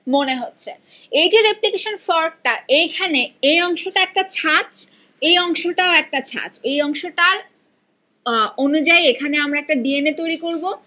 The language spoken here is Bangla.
মনে হচ্ছে এজে রেপ্লিকেশন ফরক টা এখানে এই অংশটা একটা ছাচ এই অংশটা ও একটা ছাচ এই অংশটার অনুযায়ী এখানে আমরা একটা ডিএনএ তৈরী করব